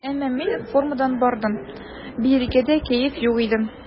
Әмма мин формадан бардым, биергә дә кәеф юк иде.